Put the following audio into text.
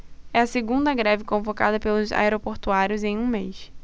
é a segunda greve convocada pelos aeroportuários em um mês